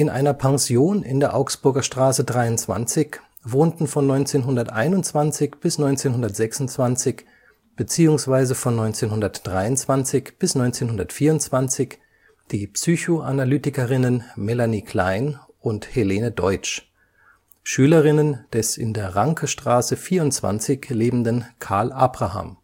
einer Pension in der Augsburger Straße 23 wohnten von 1921 bis 1926 bzw. von 1923 bis 1924 die Psychoanalytikerinnen Melanie Klein und Helene Deutsch, Schülerinnen des in der Rankestraße 24 lebenden Karl Abraham